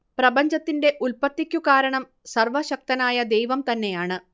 പ്രപഞ്ചത്തിന്റെ ഉൽപ്പത്തിക്കുകാരണം സർവശക്തനായ ദൈവം തന്നെയാണ്